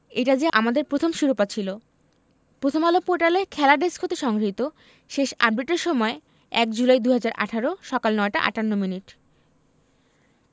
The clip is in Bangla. এটা যে আমাদের প্রথম শিরোপা ছিল প্রথমআলো পোর্টালের খেলা ডেস্ক হতে সংগৃহীত শেষ আপডেটের সময় ১ জুলাই ২০১৮ সকাল ৯টা ৫৮মিনিট